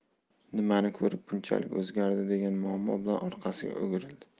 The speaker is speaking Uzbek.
nimani ko'rib bunchalik o'zgardi degan muammo bilan orqasiga o'girildi